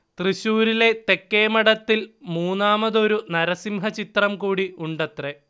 തൃശ്ശൂരിലെ തെക്കേമഠത്തിൽ മൂന്നാമതൊരു നരസിംഹചിത്രം കൂടി ഉണ്ടത്രേ